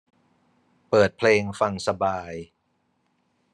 เปิดเพลงฟังสบาย